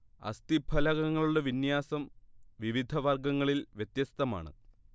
അസ്ഥിഫലകങ്ങളുടെ വിന്യാസം വിവിധ വർഗങ്ങളിൽ വ്യത്യസ്തമാണ്